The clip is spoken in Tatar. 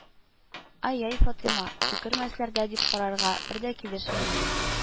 Ай-яй, Фатыйма, «төкермәсләр дә» дип карарга бер дә килешми инде